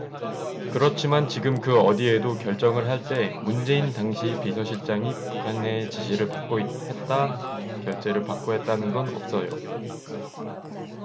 그렇지만 지금 그 어디에도 결정을 할 때 문재인 당시 비서실장이 북한의 지시를 받고 했다 결재를 받고 했다는 건 없어요